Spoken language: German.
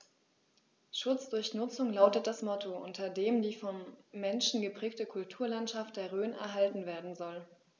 „Schutz durch Nutzung“ lautet das Motto, unter dem die vom Menschen geprägte Kulturlandschaft der Rhön erhalten werden soll.